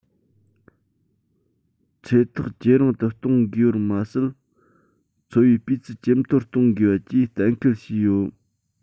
ཚེ ཐག ཇེ རིང དུ གཏོང དགོས པར མ ཟད འཚོ བའི སྤུས ཚད ཇེ མཐོར གཏོང དགོས པ བཅས གཏན ཁེལ བྱས ཡོད